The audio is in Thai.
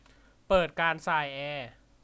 เปิดการส่ายแอร์